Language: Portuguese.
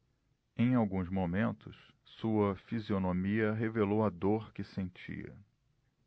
em alguns momentos sua fisionomia revelou a dor que sentia